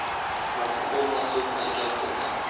ahmoqni urma so'kma gapga sol